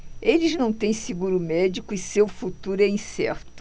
eles não têm seguro médico e seu futuro é incerto